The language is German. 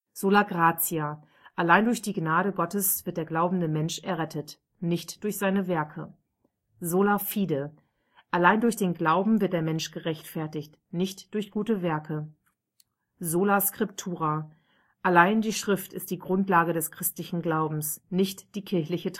sola gratia: Allein durch die Gnade Gottes wird der glaubende Mensch errettet, nicht durch seine Werke. sola fide: Allein durch den Glauben wird der Mensch gerechtfertigt, nicht durch gute Werke. sola scriptura: Allein die Schrift ist die Grundlage des christlichen Glaubens, nicht die kirchliche